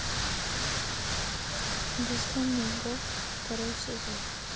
бездомный бог второй сезон